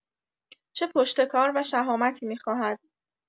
چه پشتکار و شهامتی می‌خواهد!